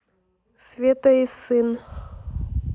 света и сын